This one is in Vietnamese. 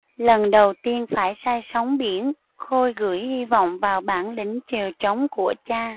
lần đầu tiên phải say sóng biển khôi gửi hi vọng vào bản lĩnh chèo chống của cha